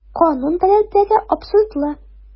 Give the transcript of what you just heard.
Канун таләпләре абсурдлы.